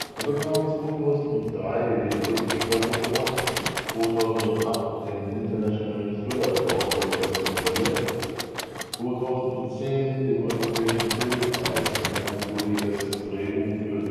2003: British Press Award 2008: International Thriller Award - Best Novel für The Ghost (dt.: Ghost. Heyne, München 2008) 2010: Europäischer Filmpreis in der Kategorie Bestes Drehbuch für